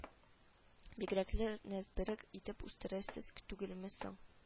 Бигрәкләр нәзберек итеп үстерәсез түгелме соң